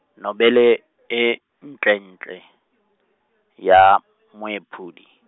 nobele e, ntlentle, ya, moephuli.